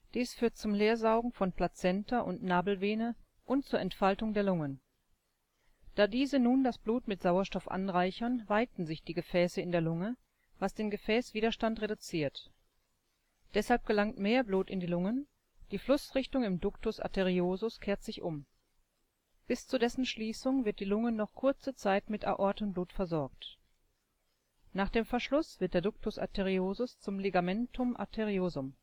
Dies führt zum Leersaugen von Plazenta und Nabelvene und zur Entfaltung der Lungen. Da diese nun das Blut mit Sauerstoff anreichern, weiten sich die Gefäße in der Lunge, was den Gefäßwiderstand reduziert. Deshalb gelangt mehr Blut in die Lungen, die Flussrichtung im Ductus arteriosus kehrt sich um. Bis zu dessen Schließung wird die Lunge noch kurze Zeit mit Aortenblut versorgt. Nach dem Verschluss wird der Ductus arteriosus zum Ligamentum arteriosum